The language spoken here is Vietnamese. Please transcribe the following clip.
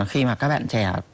khi mà các bạn trẻ